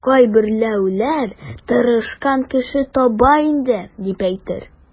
Кайберәүләр тырышкан кеше таба инде, дип әйтер.